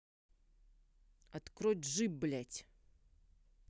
открой джим блядь